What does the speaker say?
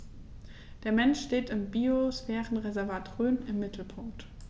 Der Mensch steht im Biosphärenreservat Rhön im Mittelpunkt.